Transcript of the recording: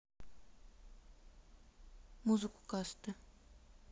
музыку касты